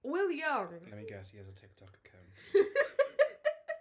Will Young... Let me guess, he has a TikTok account.